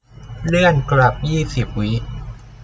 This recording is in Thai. เลื่อนกลับยี่สิบวิ